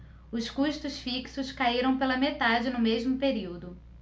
os custos fixos caíram pela metade no mesmo período